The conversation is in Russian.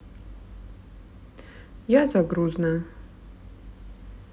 я загрузная